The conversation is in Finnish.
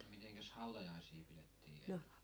mitenkäs hautajaisia pidettiin ennen